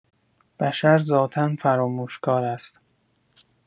بشر ذاتا فراموش‌کار است!